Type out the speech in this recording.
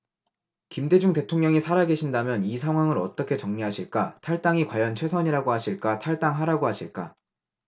김대중 대통령이 살아계신다면 이 상황을 어떻게 정리하실까 탈당이 과연 최선이라고 하실까 탈당하라고 하실까